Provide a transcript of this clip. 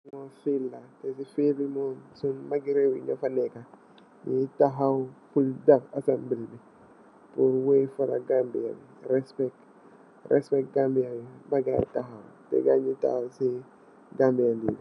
Lii ab fiil la, ci fiil bi, suñg ay maggi rew ñoo si neekë, ñuy taxaw pur def assembili wëy "For the Gambia", respek, Gambia bi ba gaayi taxaw.